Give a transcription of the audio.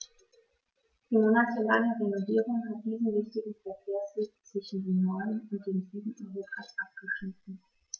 Die monatelange Renovierung hat diesen wichtigen Verkehrsweg zwischen dem Norden und dem Süden Europas abgeschnitten.